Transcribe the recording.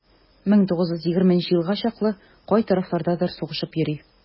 1920 елга чаклы кай тарафлардадыр сугышып йөри.